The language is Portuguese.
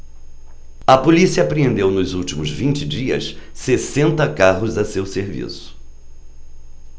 a polícia apreendeu nos últimos vinte dias sessenta carros a seu serviço